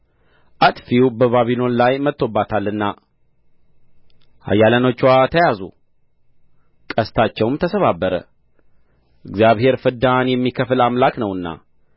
አጥፊው በባቢሎን ላይ መጥቶባታልና ኃያላኖችዋ ተያዙ ቀስታቸውም ተሰባበረ እግዚአብሔር ፍዳን የሚከፍል አምላክ ነውና